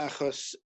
achos